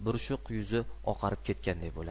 burushiq yuzi oqarib ketganday bo'ladi